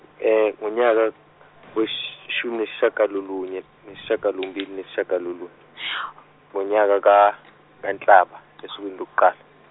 ngonyaka wes- -shumi neshaka lolunye neshakalombili neshakalolunye , ngonyanga kaNhlaba esukwini lokuqala.